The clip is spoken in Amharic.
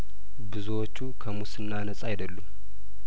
ብዙዎቹ ከሙስና ነጻ አይደሉም